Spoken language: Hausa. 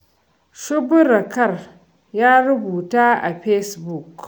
Shuɓra Kar ya rubuta a Fesbuk: